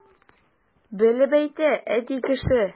Белеп әйтә әти кеше!